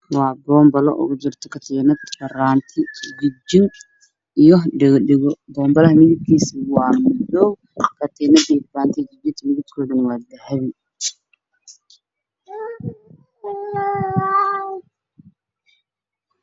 Waa boonbalo ugu jirto faraanti jijin katiinad boonbalaha midabkiisu madow midabka jijinta faraantiga katiibad dhagdhaghan waa dahbi